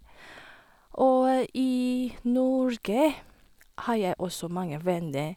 Og i Norge har jeg også mange venner.